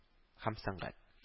Һәм сәнгать